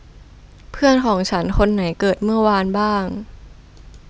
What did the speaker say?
เพื่อนของฉันคนไหนเกิดเมื่อวานบ้าง